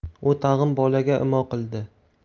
u tag'in bolaga imo qildi